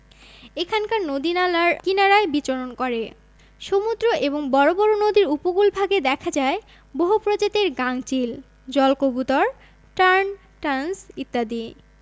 এখানকার নদীনালার কিনারায় বিচরণ করে সমুদ্র এবং বড় বড় নদীর উপকূলভাগে দেখা যায় বহু প্রজাতির গাংচিল জলকবুতর টার্ন টার্ন্স ইত্যাদি